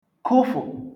Kụfù